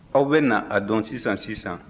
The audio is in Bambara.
aw bɛ na a dɔn sisan-sisan